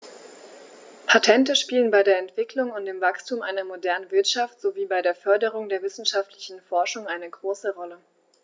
Patente spielen bei der Entwicklung und dem Wachstum einer modernen Wirtschaft sowie bei der Förderung der wissenschaftlichen Forschung eine große Rolle.